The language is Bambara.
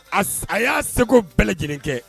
As a y'a se ko bɛɛ lajɛlen kɛ.